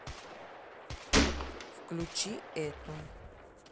включить эту